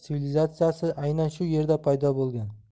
sivilizatsiyasi aynan shu yerda paydo bo'lgan